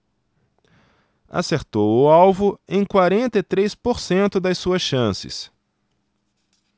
acertou o alvo em quarenta e três por cento das suas chances